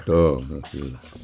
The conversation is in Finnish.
tunnen kyllä